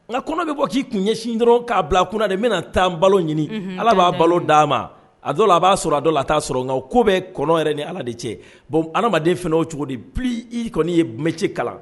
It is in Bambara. Nka kɔnɔ bɛ bɔ k'i kun ɲɛsin dɔrɔn k'a bila a kun de bɛna taa balo ɲini ala b'a balo da ma a a b'a sɔrɔ a a t'a sɔrɔ nka ko bɛ kɔ wɛrɛ ni ala de cɛ bon adamaden fana o cogo di i kɔni ye mɛti kala